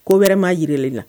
Ko wɛrɛ maa jiralen kan